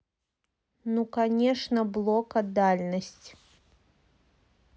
ну конечно блока дальность